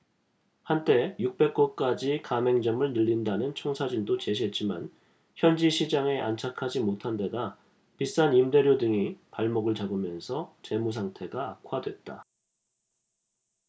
한때 육백 곳까지 가맹점을 늘린다는 청사진도 제시했지만 현지 시장에 안착하지 못한데다 비싼 임대료 등이 발목을 잡으면서 재무상태가 악화됐다